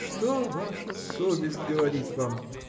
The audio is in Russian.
— Что ваша совесть говорит вам?